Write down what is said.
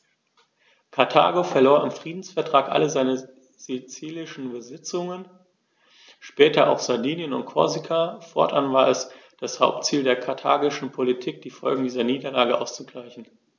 Karthago verlor im Friedensvertrag alle seine sizilischen Besitzungen (später auch Sardinien und Korsika); fortan war es das Hauptziel der karthagischen Politik, die Folgen dieser Niederlage auszugleichen.